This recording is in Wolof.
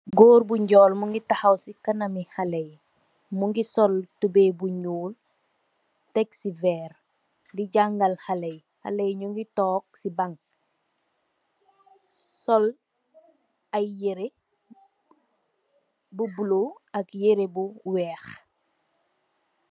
Goor bu ñiol mungi taxaw si kanam I xaaley yi. Mu ngi sol tuboi bu ñuul Tek si veer, di diaangal xale yi. Ñu ngi took si bañg, sol ay yire bu bulo ak yu weex.